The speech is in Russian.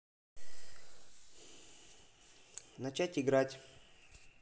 начать играть